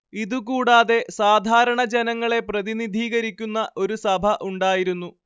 ഇതു കൂടാതെ സാധാരണ ജനങ്ങളെ പ്രതിനിധീകരിക്കുന്ന ഒരു സഭ ഉണ്ടായിരുന്നു